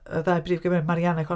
Y ddau brif gymeriad, Marianne a Con-.